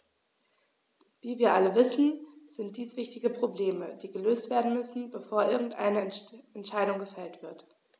Wie wir alle wissen, sind dies wichtige Probleme, die gelöst werden müssen, bevor irgendeine Entscheidung gefällt wird.